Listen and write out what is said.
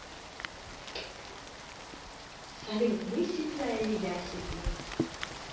салют мы семья или я семья